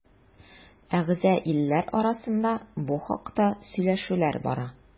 Әгъза илләр арасында бу хакта сөйләшүләр бара.